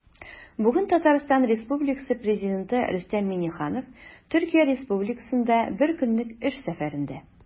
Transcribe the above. Бүген Татарстан Республикасы Президенты Рөстәм Миңнеханов Төркия Республикасында бер көнлек эш сәфәрендә.